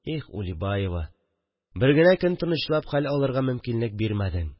Их, Улибаева, бер генә көн тынычлап хәл алырга мөмкинлек бирмәдең